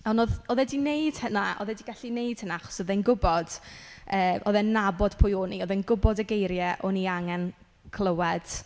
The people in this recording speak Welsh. Ond oedd... oedd e 'di wneud hynna... oedd e 'di gallu wneud hynna achos oedd e'n gwbod yy oedd e'n nabod pwy o'n i. Oedd e'n gwbod y geiriau o'n i angen clywed.